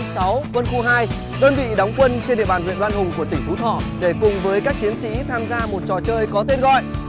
sáu quân khu hai đơn vị đóng quân trên địa bàn huyện đoan hùng tỉnh phú thọ để cùng với các chiến sĩ tham gia một trò chơi có tên gọi